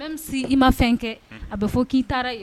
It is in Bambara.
N bɛ min se i ma fɛn kɛ a bɛ fɔ k'i taara yen